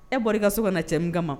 E bɔra i ka so ka na cɛ min kama.